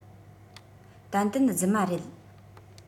ཏན ཏན རྫུན མ རེད